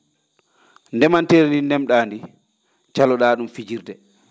ndemanteeri ndi ndem-?aa ndii calo-?aa ?um fijirde